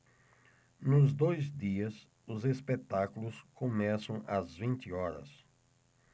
nos dois dias os espetáculos começam às vinte horas